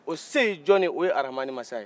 o se ye jɔn ye o ye arahamani masa ye